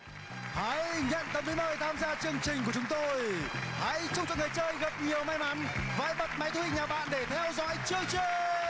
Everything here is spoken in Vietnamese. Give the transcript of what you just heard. hãy nhận tấm giấy mời để tham gia chương trình của chúng tôi hãy chúc cho người chơi gặp nhiều may mắn và hãy bật máy thu hình nhà bạn để theo dõi chương trình